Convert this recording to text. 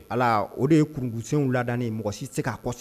Ala o de ye kurunsenw lanen mɔgɔ si se'a kɔ sa